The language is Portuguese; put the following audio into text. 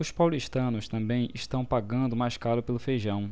os paulistanos também estão pagando mais caro pelo feijão